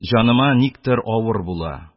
Җаныма никтер авыр була.